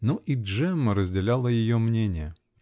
но и Джемма разделяла ее мнение.